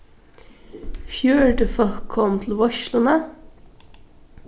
fjøruti fólk komu til veitsluna